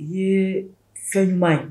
I ye fɛn ɲumanuma ye